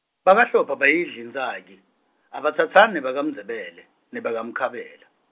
BakaHlophe abayidli intsaki, abatsatsani nebakaMndzebele, nebakaMkhabela.